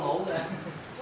ngủ